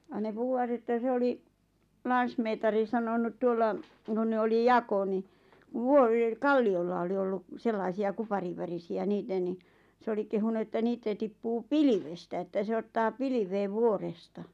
ja ne puhuvat että se oli lansmeetari sanonut tuolla kun ne oli jako niin - kalliolla oli ollut sellaisia kuparinvärisiä niitä niin se oli kehunut että niitä tippuu pilvestä että se ottaa pilveen vuoresta